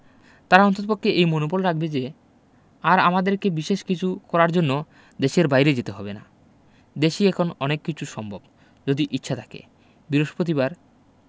তারা অন্ততপক্ষে এই মনোবল রাখবে যে আর আমাদেরকে বিশেষ কিছু করার জন্য দেশের বাইরে যেতে হবে না দেশেই এখন অনেক কিছু সম্ভব যদি ইচ্ছা থাকে বৃহস্পতিবার